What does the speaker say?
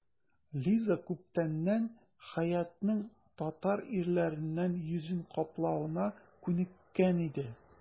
Лиза күптәннән Хәятның татар ирләреннән йөзен каплавына күнеккән иде.